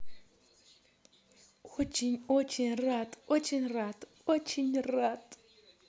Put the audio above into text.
очень очень рад очень рад очень рад